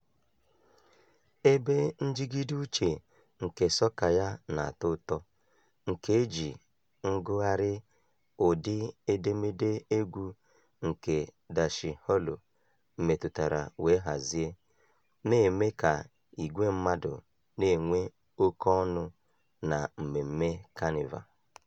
Ebe njigide uche nke sọka ya na-atọ ụtọ, nke e ji ngụgharị ụdị edemede egwu nke dansịhọọlụ metụtara wee hazie, na-eme ka igwe mmadụ na-enwe oké ọṅụ na mmemme Kanịva.